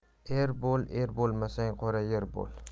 er bo'l er bo'lmasang qora yer bo'l